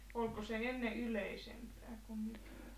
oliko se ennen yleisempää kuin nykyään